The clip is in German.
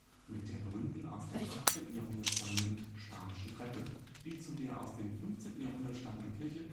Jahrhundert stammenden Spanischen Treppe, die zu der aus dem 15. Jahrhundert stammenden Kirche